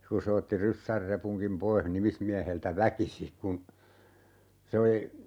kun se otti ryssän repunkin pois nimismieheltä väkisin kun se oli